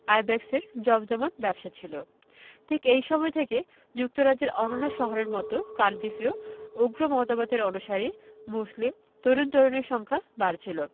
আইব্যাকসের জমজমাট ব্যবসা ছিল ঠিক এই সময় থেকেই যুক্তরাজ্যের অন্যান্য শহরের মতো কার্ডিফেও উগ্র মতবাদের অনুসারী মুসলিম তরুণ তরুণীর সংখ্যা বাড়ছিল